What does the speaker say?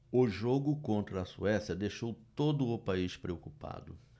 o jogo contra a suécia deixou todo o país preocupado